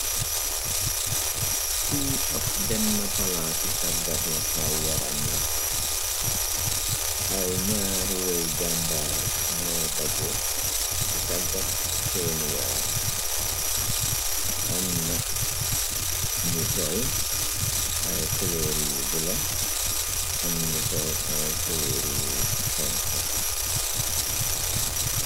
pi ab denn palaa ci taggati xaay waram la ay ñaari wëy jàmbaar ñoo dajur di taggat seymu yaram amna ñu sol ay kulóor yu bu la am ñu sol ay kulóor yu xonfe